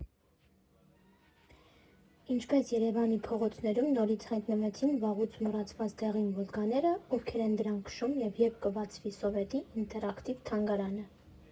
Ինչպես Երևանի փողոցներում նորից հայտնվեցին վաղուց մոռացված դեղին Վոլգաները, ովքեր են դրանք քշում, և երբ կբացվի Սովետի ինտերակտիվ թանգարանը.